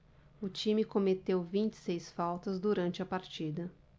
o time cometeu vinte e seis faltas durante a partida